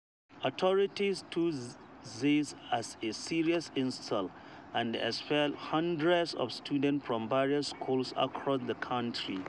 Authorities took this as a serious insult and expelled hundreds of students from various schools across the country.